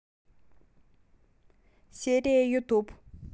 серия ютуб